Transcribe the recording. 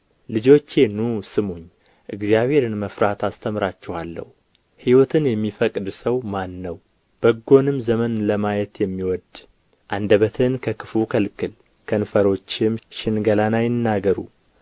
ልጆቼ ኑ ስሙኝ እግዚአብሔርን መፍራት አስተምራችኋለሁ ሕይወትን የሚፈቅድ ሰው ማን ነው በጎንም ዘመን ለማየት የሚወድድ አንደበትህን ከክፉ ከልክል ከንፈሮችህም ሽንገላን እንዳይናገሩ